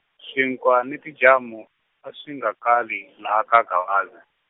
swinkwa ni tijamu, a swi nga kali laha ka Gavaza.